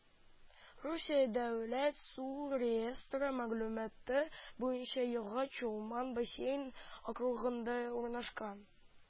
Русия дәүләт су реестры мәгълүматы буенча елга Чулман бассейн округында урнашкан